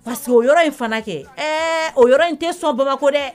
Parce que o yɔrɔ in fana kɛ ɛɛ o yɔrɔ in tɛ sɔn Bamakɔ dɛ